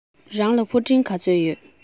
རང ལ ཕུ འདྲེན ག ཚོད ཡོད